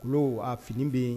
N a fini bɛ yen